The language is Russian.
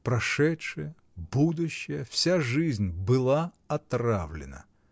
Прошедшее, будущее, вся жизнь была отравлена.